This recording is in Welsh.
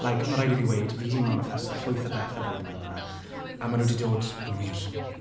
Like, ma' raid i fi weud, fi 'di maniffesto llwyth o bethe blwyddyn yma, a maen nhw 'di dod yn wir.